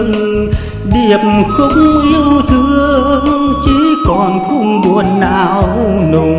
điệp khúc yêu thương chỉ còn cung buồn não nùng